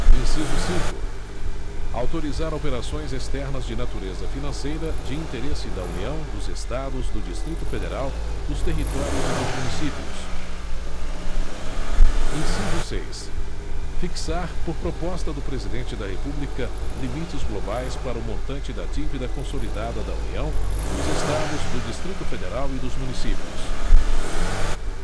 inciso cinco autorizar operações externas de natureza financeira de interesse da união dos estados do distrito federal dos territórios e dos municípios inciso seis fixar por proposta do presidente da república limites globais para o montante da dívida consolidada da união dos estados do distrito federal e dos municípios